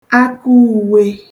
akaùwe